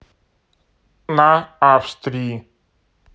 на австрии